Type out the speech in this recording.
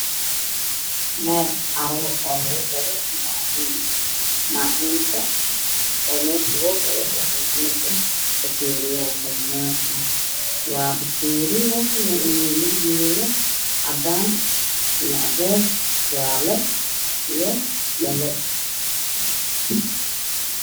Meel carwo ah oo lagu gado macuun kala nooca as waxaa ka mid ah bakariyaal guduud ah caddaan ah caddeez iyo jaano